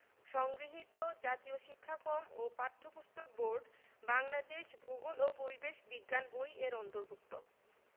সংগৃহীত জাতীয় শিক্ষাক্রম ও পাঠ্যপুস্তক বোর্ড বাংলাদেশ ভূগোল ও পরিবেশ বিজ্ঞান বই এর অন্তর্ভুক্ত